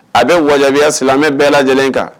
A bɛ wajibiya silamɛmɛ bɛɛ lajɛlen kan